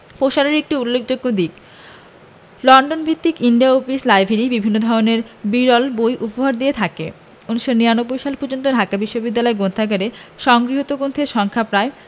প্রসারের একটি উল্লেখযোগ্য দিক লন্ডন ভিত্তিক ইন্ডিয়া অফিস লাইব্রেরি বিভিন্ন ধরনের বিরল বই উপহার দিয়ে থাকে ১৯৯৯ সাল পর্যন্ত ঢাকা বিশ্ববিদ্যালয় গ্রন্থাগারে সংগৃহীত গ্রন্থের সংখ্যা প্রায়